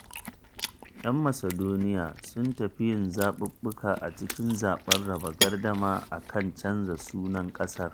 ‘Yan Macedonia sun tafi yin zaɓuɓɓuka a cikin zaɓen raba gardama a kan canza sunan kasar